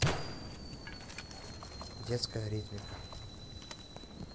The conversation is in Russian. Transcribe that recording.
детская ритмика